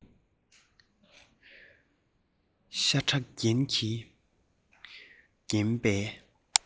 ཤ ཁྲག རྒྱན གྱིས བརྒྱན པའི